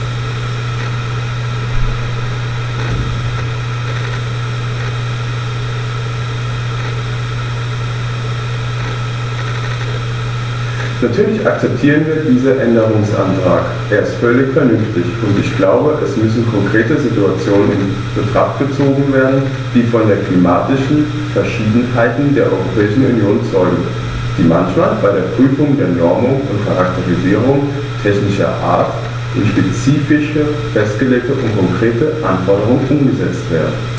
Natürlich akzeptieren wir diesen Änderungsantrag, er ist völlig vernünftig, und ich glaube, es müssen konkrete Situationen in Betracht gezogen werden, die von der klimatischen Verschiedenartigkeit der Europäischen Union zeugen, die manchmal bei der Prüfung der Normungen und Charakterisierungen technischer Art in spezifische Festlegungen und konkrete Anforderungen umgesetzt werden.